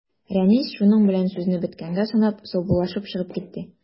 Рәнис, шуның белән сүзне беткәнгә санап, саубуллашып чыгып китте.